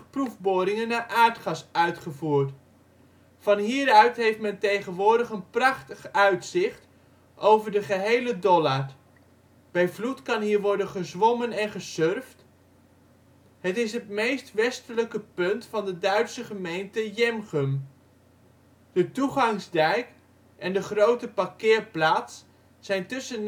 proefboringen naar aardgas uitgevoerd. Van hieruit heeft men tegenwoordig een prachtig uitzicht over de gehele Dollard. Bij vloed kan hier worden gezwommen en gesurft (zonder toezicht). Het is het meest westelijke punt van de Duitse gemeente Jemgum. De toegangsdijk en de grote parkeerplaats zijn tussen